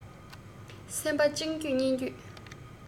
སེམས པ གཅིག འགྱོད གཉིས འགྱོད